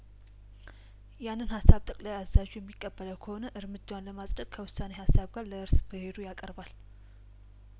ያንን ሀሳብ ጠቅላይ አዛዡ የሚቀበለው ከሆነ እርምጃውን ለማጽደቅ ከውሳኔ ሀሳብ ጋር ለእርስ ብሄሩ ያቀርባል